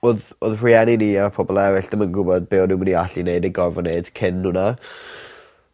odd odd rhieni ni a pobol eryll dim yn gwbod be' o'n n'w myn' i allu neud neu gorfod neud cyn wnna.